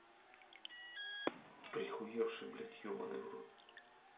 прихуевший блядь ебаный врот